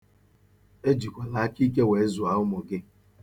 Ejikwala aka ike wee zụọ ụmụ gị.